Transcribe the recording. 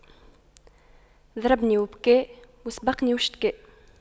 ضربني وبكى وسبقني واشتكى